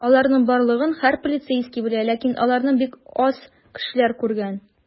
Аларның барлыгын һәр полицейский белә, ләкин аларны бик аз кешеләр күргән.